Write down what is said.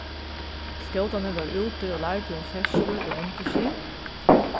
skótarnir vóru úti og lærdu um ferðslu og endurskin